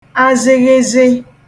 azịghịzị